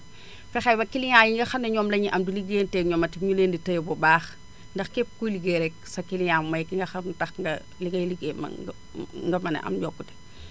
fexe ba client yi nga xam ne énoom lañuy am di liggéeyanteel ñoom ati ñu leen di téye bu baax ndax képp kuy liggéey rek sa client mooy ki nga xam tax nga li ngay liggéey mën nga mën a am yokkute